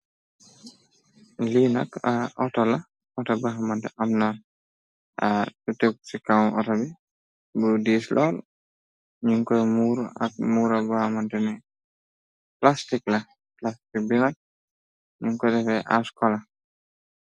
lii nak ar otola oto bu xamante amna ar lu tegu si kaw oto bi lu diis lool ñuñ koy muur ak muurabaam bo xamantane plastik la plastik bi nak ñuñ ko defee ass colour.